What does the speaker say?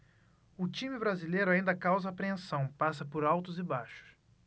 o time brasileiro ainda causa apreensão passa por altos e baixos